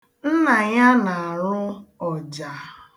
Nna ya na-arụ ọja.